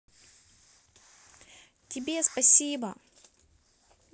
тебе спасибо